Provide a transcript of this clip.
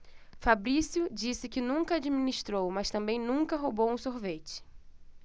fabrício disse que nunca administrou mas também nunca roubou um sorvete